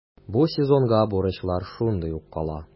Бу сезонга бурычлар шундый ук кала.